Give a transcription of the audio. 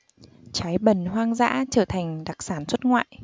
trái bần hoang dã trở thành đặc sản xuất ngoại